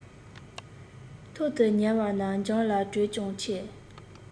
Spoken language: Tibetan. ཐོག ཏུ ཉལ བ ན འཇམ ལ དྲོད ཀྱང ཆེ